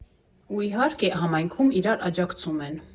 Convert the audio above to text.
Ու, իհարկե, համայնքում իրար աջակցում են։